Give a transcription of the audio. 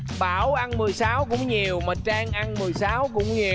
bảo ăn mười sáu cũng nhiều mà trang ăn mười sáu cũng nhiều